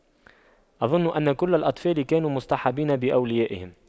أظن أن كل الأطفال كانوا مصطحبين بأوليائهم